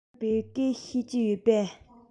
ཁྱེད རང བོད སྐད ཤེས ཀྱི ཡོད པས